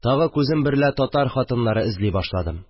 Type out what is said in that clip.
Тагы күзем берлә татар хатыннары эзли башладым